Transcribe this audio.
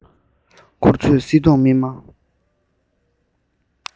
མཁུར ཚོས སིལ ཏོག སྨིན མ